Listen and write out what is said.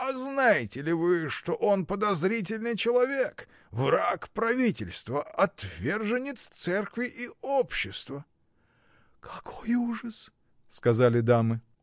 — А знаете ли вы, что он подозрительный человек, враг правительства, отверженец церкви и общества? — Какой ужас! — сказали дамы.